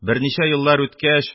Берничә еллар үткәч,